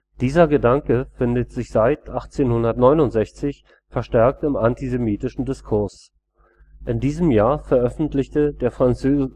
Dieser Gedanke findet sich seit 1869 verstärkt im antisemitischen Diskurs. In diesem Jahr veröffentlichte der französische